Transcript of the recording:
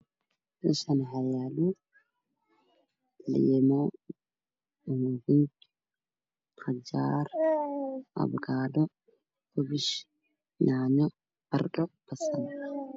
Meeshan waxaa yaalo liin afkaadho babaay yaanyo qajaar basal kabaash